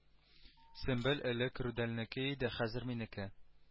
Сөмбел элек рүдәлнеке иде хәзер минеке